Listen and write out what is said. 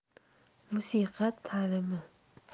musiqa ta'limi